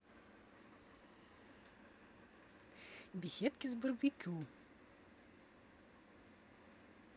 беседки с барбекю